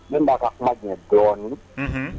N b'a ka jɛ dɔɔnin